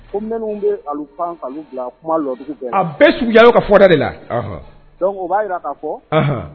Minnu bɛ pan kumadugu a bɛɛ sugu ka fɔɛrɛ de la u b'a jira ka fɔ